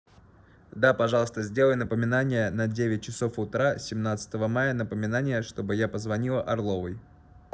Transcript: да пожалуйста сделай напоминание на девять часов утра семнадцатого мая напоминание чтобы я позвонила орловой